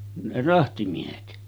ne rahtimiehet